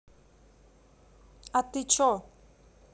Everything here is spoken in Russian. а ты че